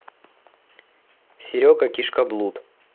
серега кишкоблуд